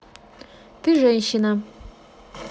ты женщина